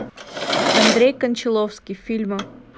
андрей кончаловский фильмы